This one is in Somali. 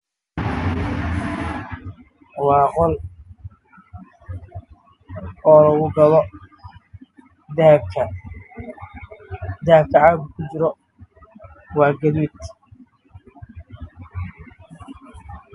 Waa boonbalo midabkiisu waa guduud